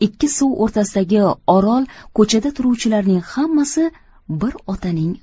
ikki suv o'rtasidagi orol ko'chada turuvchiarning hammasi bir otaning